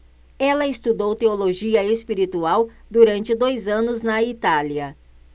ela estudou teologia espiritual durante dois anos na itália